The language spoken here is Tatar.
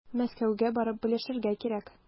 Мәскәүгә барып белешергә кирәк.